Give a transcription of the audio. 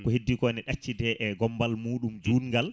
ko heddiko ne accide e gombal muɗum jutgal